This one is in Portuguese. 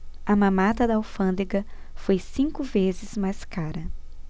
a mamata da alfândega foi cinco vezes mais cara